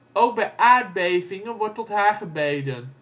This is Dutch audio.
Ook bij aardbevingen wordt tot haar gebeden